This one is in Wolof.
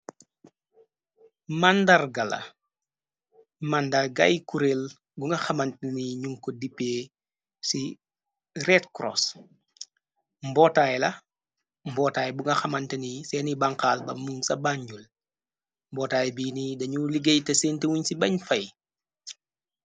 màndargala màndarga yi courell bu nga xamantni nyung ko dipee ci red cross mbootaay la mbootaay bu nga xamantni seeni banqxas ba mu sa bànjul mbootaay bii ni dañu liggéey te seente wuñ ci beñ fay.